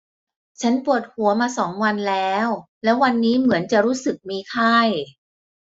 ฉันปวดหัวมาสองวันแล้วและวันนี้เหมือนจะรู้สึกมีไข้